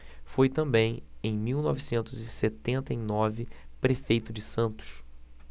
foi também em mil novecentos e setenta e nove prefeito de santos